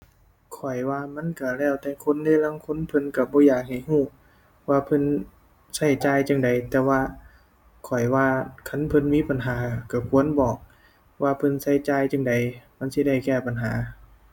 ข้อยว่ามันก็แล้วแต่คนเดะ ลางคนเพิ่นก็บ่อยากให้ก็ว่าเพิ่นใช้จ่ายจั่งใด แต่ว่าข้อยว่าคันเพิ่นมีปัญหาก็ควรบอก ว่าเพิ่นก็จ่ายจั่งใด มันสิได้แก้ปัญหา